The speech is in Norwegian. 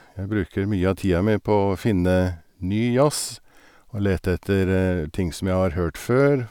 Jeg bruker mye av tida mi på å finne ny jazz og lete etter ting som jeg har hørt før.